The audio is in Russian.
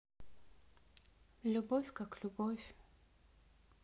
любовь как любовь